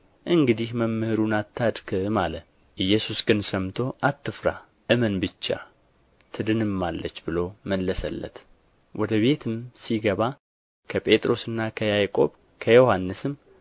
እንግዲህ መምህሩን አታድክም አለ ኢየሱስ ግን ሰምቶ አትፍራ እመን ብቻ ትድንማለች ብሎ መለሰለት ወደ ቤትም ሲገባ ከጴጥሮስና ከያዕቆብ ከዮሐንስም